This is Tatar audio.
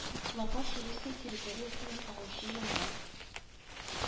Лапач Русия территориясеннән агучы елга